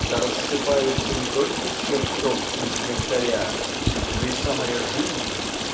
когда рассыпается не только "чертог из янтаря" но и самая жизнь